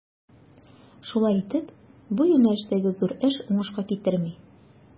Шулай итеп, бу юнәлештәге зур эш уңышка китерми.